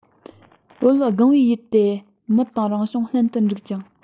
བོད སྒང པའི ཡུལ དེ མི དང རང བྱུང ལྷན དུ འགྲིག ཅིང